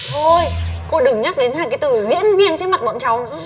thôi cô đừng nhắc đến hai cái từ diễn viên trước mặt bọn cháu nữa